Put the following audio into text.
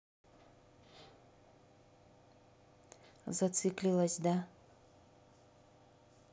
зациклилась да